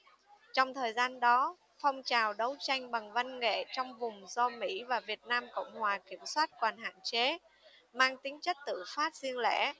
trong thời gian đó phong trào đấu tranh bằng văn nghệ trong vùng do mỹ và việt nam cộng hòa kiểm soát còn hạn chế mang tính chất tự phát riêng lẻ